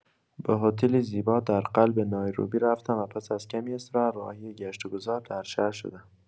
به هتلی زیبا در قلب نایروبی رفتم و پس از کمی استراحت، راهی گشت و گذار در شهر شدم.